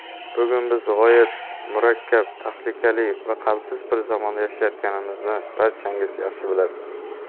bugun biz g'oyat murakkab tahlikali va qaltis bir zamonda yashayotganimizni barchangiz yaxshi bilasiz